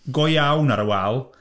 go iawn ar y wal.